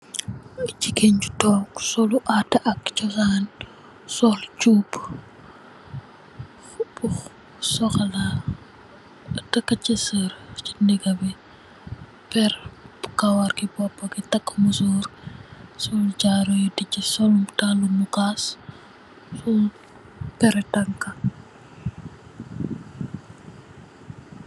Jigen ju tok solo ada ak chosan' sol chop taka si serr si dega bi pero kawar bi mu taka si musor sol jaru yo dija sol dala marakis pro tanka.